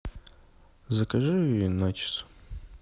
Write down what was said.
закажи начос